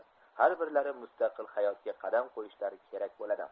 har birlari mustaqil hayotga qadam qo'yishlari kerak bo'ladi